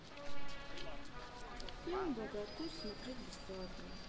фильм богатырь смотреть бесплатно